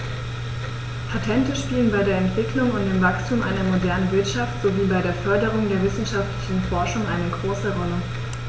Patente spielen bei der Entwicklung und dem Wachstum einer modernen Wirtschaft sowie bei der Förderung der wissenschaftlichen Forschung eine große Rolle.